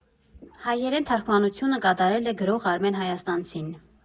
Հայերեն թարգմանությունը կատարել է գրող Արմեն Հայաստանցին։